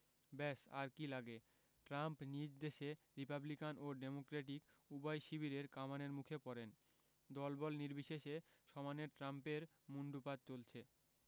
ব্যস আর কী লাগে ট্রাম্প নিজ দেশে রিপাবলিকান ও ডেমোক্রেটিক উভয় শিবিরের কামানের মুখে পড়েন দলবল নির্বিশেষে সমানে ট্রাম্পের মুণ্ডুপাত চলছে